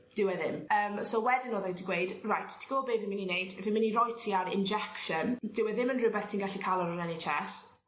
dyw e ddim yym so wedyn odd e 'edi gweud reit ti gwbo be' fi myn' i neud fi'n myn' i roi ti ar injection dyw e ddim yn rwbeth ti'n gallu ca'l ar yr En Aitch Ess